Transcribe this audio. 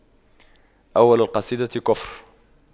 أول القصيدة كفر